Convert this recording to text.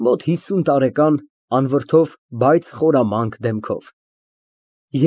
Մոտ հիսուն տարեկան, անվրդով, բայց խորամանկ դեմքով։